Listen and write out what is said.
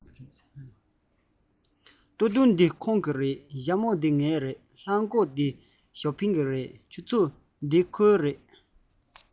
སྟོད ཐུང འདི ཁོང གི རེད ཞྭ མོ འདི ངའི རེད ལྷམ གོག འདི ཞའོ ཏིང གི རེད ཆུ ཚོད འདི ཁོའི རེད